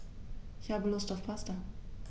Ich habe Lust auf Pasta.